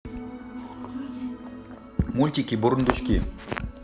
мультики бурундуки